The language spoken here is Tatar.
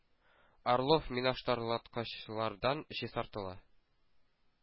Орлов минашартлаткычлардан чистартыла.